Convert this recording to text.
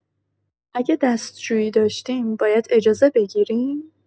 اگه دستشویی داشتیم، باید اجازه بگیریم؟